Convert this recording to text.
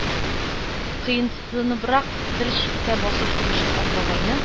Кыенсыныбрак бер читтә басып торучы ак бабайны